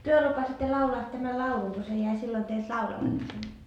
te lupasitte laulaa tämän laulun kun se jäi silloin teiltä laulamatta se